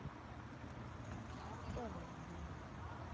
хавал блядь